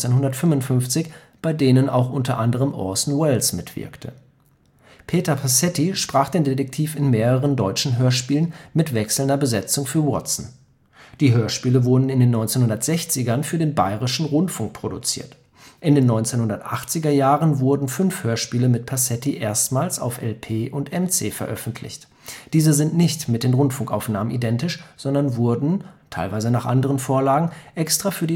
1955, bei denen auch unter anderem Orson Welles mitwirkte. Peter Pasetti sprach den Detektiv in mehreren deutschen Hörspielen mit wechselnden Besetzungen für Watson. Die Hörspiele wurden in den 1960ern für den Bayerischen Rundfunk produziert. In den 1980er Jahren wurden fünf Hörspiele mit Pasetti erstmals auf LP und MC veröffentlicht, diese sind nicht mit den Rundfunkaufnahmen identisch, sondern wurden (teilweise nach anderen Vorlagen) extra für